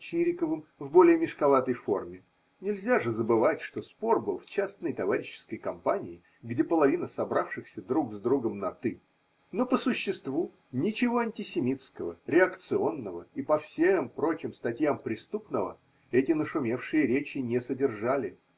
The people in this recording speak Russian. Чириковым в более мешковатой форме (нельзя же забывать, что спор был в частной товарищеской компании, где половина собравшихся друг с другом на ты), но по существу ничего антисемитского, реакционного и по всем прочим статьям преступного эти нашумевшие речи не содержали.